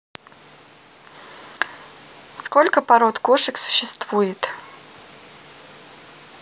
сколько пород кошек существует